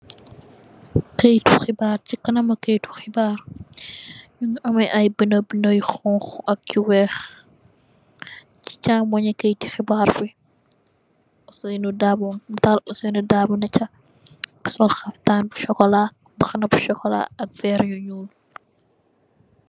Keitu hebarr sey kanami Keitu hebarr Mungi ameh i binda binda yu hunhu ak yu weih sey chamunyi Keitu hebarr bi Ousainou Darboe natali Ousainou Darboe necha sol halftan bu sokola mbahana bu sokola ak verr yu nyuul.